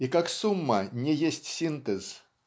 И как сумма не есть синтез